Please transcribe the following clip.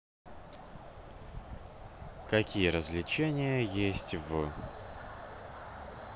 какие развлечения есть в